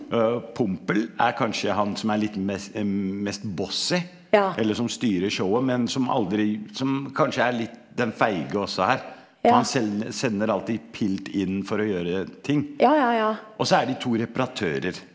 Pompel er kanskje han som er litt mest eller som styrer showet, men som aldri som kanskje er litt den feige også her for han sender alltid Pilt inn for å gjøre ting, og så er de to reparatører.